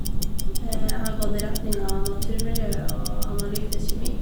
Jeg har gått retninga naturmiljø og analytisk kjemi.